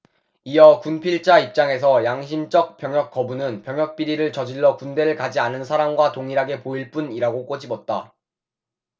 이어 군필자 입장에서 양심적 병역거부는 병역비리를 저질러 군대를 가지 않은 사람과 동일하게 보일 뿐이라고 꼬집었다